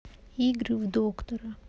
игры в доктора